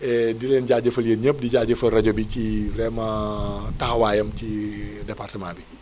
di leen jaajëfal yéen ñëpp di jaajëfal rajo bi ci vraiment taxawaayam ci département bi